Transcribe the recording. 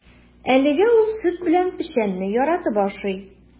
Әлегә ул сөт белән печәнне яратып ашый.